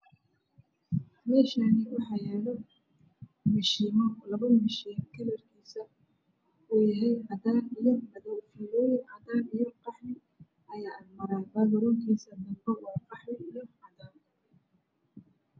Meeshaan waxaa yaalo labo mishiin oo ah cadaan iyo madow. Fiilooyin cadaan iyo madow ah ayaa dhex maraayo. Baagaroonka waa qaxwi.